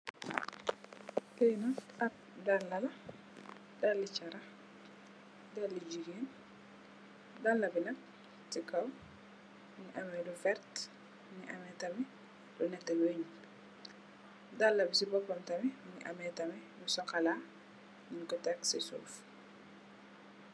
yinak am dale, dale charak dale jigeen dalabi nak mi am lo weert mi am lo nete dala bi ci bobam bi nak mi ami lo sokolah nugko teh ci soff.